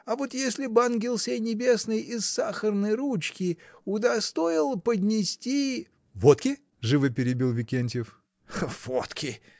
А вот если б ангел сей небесный из сахарной ручки удостоил поднести. — Водки? — живо перебил Викентьев. — Водки!